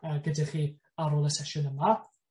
yy gyda chi ar ôl y sesiwn yma.